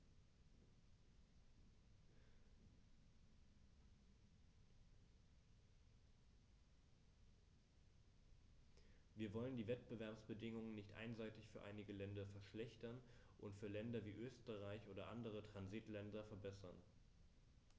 Wir wollen die Wettbewerbsbedingungen nicht einseitig für einige Länder verschlechtern und für Länder wie Österreich oder andere Transitländer verbessern.